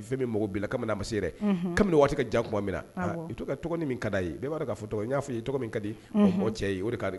Fɛn min mago b'i la kabi n'a ma se yɛrɛ, unhun, kabini waati ka jan tuma min na i to ka tɔgɔnin min ka di a ye bɛɛ b'a dɔn k'a fɔ tɔgɔ n y'a fɔ i tɔgɔ min ka di o cɛ ye, unhun, o de ka di